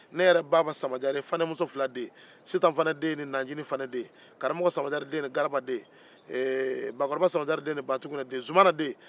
ne yɛrɛ baba samajaarefanemusofila den sitan fane den ni naciinin fane den karamɔkɔ samajaare den ni garaba den ee bakɔroba samajaare den ni batukunɛ den zumana den